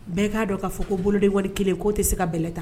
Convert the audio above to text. Bɛɛ k'a dɔn k'a fɔ ko boloden wari kelen k'o tɛ se ka bɛɛlɛ ta